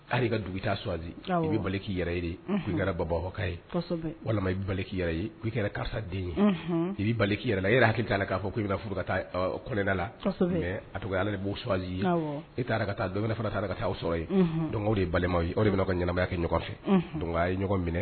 Hali' dugu taa swaali i bɛ bali k'i yɛrɛ ye k kɛra babakan ye walima i bali k'i yɛrɛ ye ii kɛra karisa den ye i b' bali'i yɛrɛ e y hakili dilan k'a fɔ ko ii bɛna furu taa kɔnɛda la a tɔgɔ ala de bɔ suwaali ye i t taara ka taa dɔn fana taara ka taa aw sɔrɔ ye dɔn de ye balima o de b bɛna ka ɲmabaaya kɛ ɲɔgɔn fɛ ye ɲɔgɔn minɛ